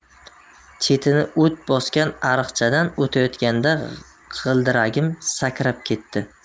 chetini o't bosgan ariqchadan o'tayotganda g'ildiragim sakrab ketdi